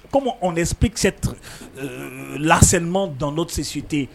Kɔmi de psɛ lama dandɔ tɛsite yen